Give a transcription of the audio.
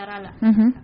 La